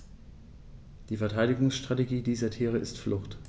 Die Verteidigungsstrategie dieser Tiere ist Flucht.